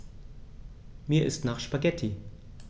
Mir ist nach Spaghetti.